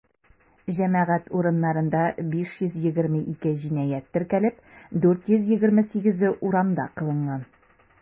Җәмәгать урыннарында 522 җинаять теркәлеп, 428-е урамда кылынган.